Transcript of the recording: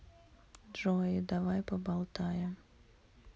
джои давай поболтаем